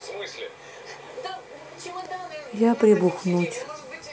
а прибухнуть